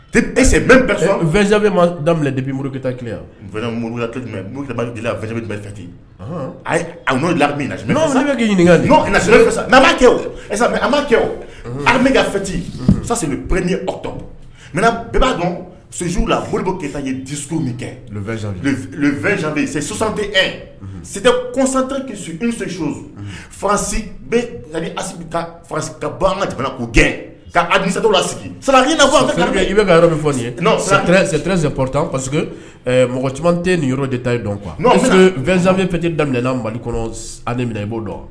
Z bɛ ma da de muru keta bɛti a a' la min' ɲininka kɛ o ma kɛ a ka fɛti masasi bɛ p tɔ n bɛɛ b'a dɔn sunjatasiw la bɛ ki yeso min kɛ san e sisanta fasi ka bagan jamana o gɛn ka alisa la sigi sa'i kɛ i bɛ yɔrɔ min fɔ n yet ppta que mɔgɔ caman tɛ nin yɔrɔ de ta dɔn kuwa n'ozsan fɛnti daminɛmin mali kɔnɔ minɛ i b'o dɔn